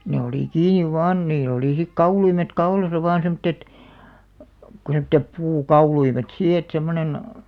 ne oli kiinni vain niillä oli sitten kauluimet kaulassa vain semmoiset kuin semmoiset puukauluimet siinä että semmoinen